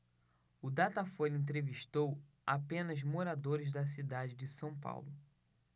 o datafolha entrevistou apenas moradores da cidade de são paulo